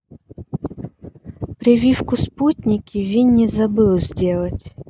прививку спутники винни забыл сделать